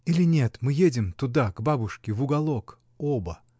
или, нет, мы едем туда, к бабушке, в уголок, оба.